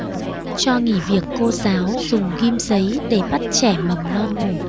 cho nghỉ việc cô giáo dùng ghim giấy để bắt trẻ mầm non ngủ